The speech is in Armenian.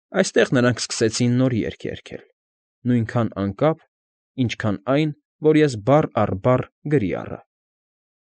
Այստեղ նրանք սկսեցին նոր երգ երգել, նույքան անկապ, ինչքան այն, որ ես բառ առ բառ գրի առա։